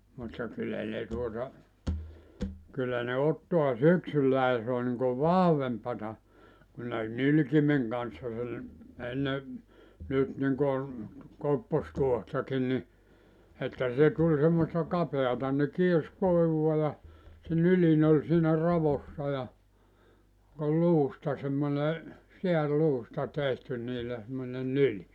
mutta kyllä ne tuota kyllä ne ottaa syksyllä ja se on niin kuin vahvempaa kun ne nylkimen kanssa sen ennen nyt niin kuin koppostuohtakin niin että se tuli semmoista kapeata ne kiersi koivua ja se nyljin oli siinä raossa ja oli luusta semmoinen sääriluusta tehty niillä semmoinen nyljin